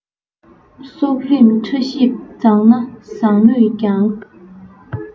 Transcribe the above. གསོག རིམ ཕྲ ཞིབ མཛངས ན བཟང མོད ཀྱང